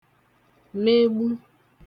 megbu